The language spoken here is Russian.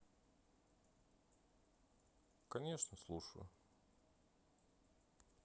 конечно слушаю